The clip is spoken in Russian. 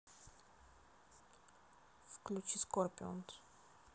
включи скорпионс